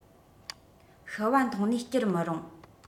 ཤི བ མཐོང ནས སྐྱུར མི རུང